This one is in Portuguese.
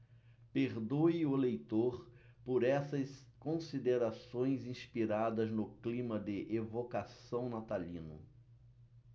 perdoe o leitor por essas considerações inspiradas no clima de evocação natalino